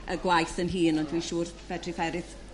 y gwaith 'yn hyn ond dwi siŵr fedrith eryll